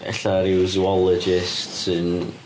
Ella rhyw, zoologist sy'n,